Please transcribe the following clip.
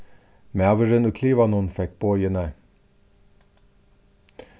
maðurin í klivanum fekk boðini